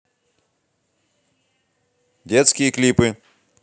детские клипы